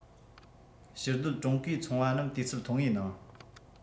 ཕྱིར སྡོད ཀྲུང གོའི ཚོང པ རྣམས དུས ཚོད ཐུང ངུའི ནང